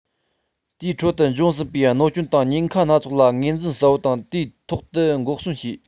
དེའི ཁྲོད དུ འབྱུང སྲིད པའི གནོད རྐྱེན དང ཉེན ཁ སྣ ཚོགས ལ ངོས འཛིན གསལ པོ དང དུས ཐོག ཏུ འགོག ཟོན བྱས